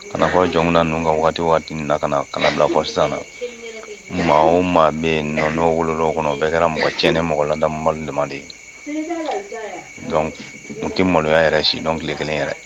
Fɔ jɔn min ninnu kan waati waati na ka kana bila fɔ sisan na o maa bɛ nɔn wolo dɔ kɔnɔ bɛɛ kɛra mɔgɔ cɛn ni mɔgɔ ladamadu lamɛn de ye n tɛ maloya yɛrɛ si dɔn tile kelen yɛrɛ